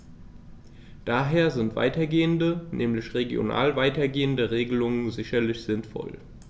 Daher sind weitergehende, nämlich regional weitergehende Regelungen sicherlich sinnvoll.